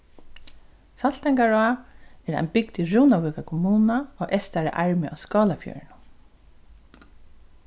saltangará er ein bygd í runavíkar kommunu á eystara armi á skálafjørðinum